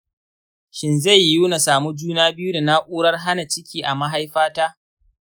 shin zai yiwu na samu juna biyu da na’urar hana ciki a mahaifata?